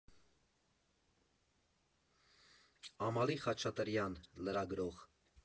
Ամալի Խաչատրյան, լրագրող։